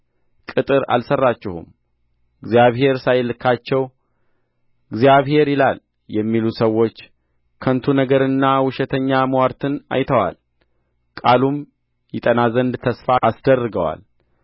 ቅጥር አልሠራችሁም እግዚአብሔር ሳይልካቸው እግዚአብሔር ይላል የሚሉ ሰዎች ከንቱ ነገርንና ውሸተኛ ምዋርትን አይተዋል ቃሉም ይጠና ዘንድ ተስፋ አስደርገዋል